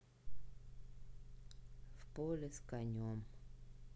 в поле с конем